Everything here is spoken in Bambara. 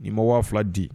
Ni ma waaula di